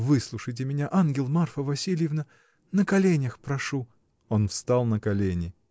Выслушайте меня, ангел Марфа Васильевна. На коленях прошу. Он встал на колени.